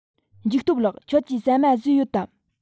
འཇིགས སྟོབས ལགས ཁྱོད ཀྱིས ཟ མ ཟོས ཡོད དམ